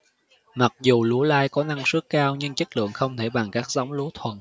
mặc dù lúa lai có năng suất cao nhưng chất lượng không thể bằng các giống lúa thuần